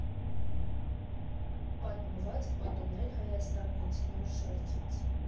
Պատմվածք՝ «Պատումներ Հայաստանից» նոր շարքից։